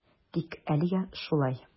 Тик әлегә шулай.